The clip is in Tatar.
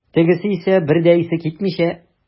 Тегесе исә, бер дә исе китмичә.